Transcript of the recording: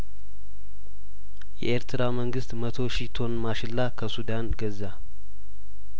የኤርትራ መንግስት መቶ ሺህ ቶን ማሽላ ከሱዳን ገዛ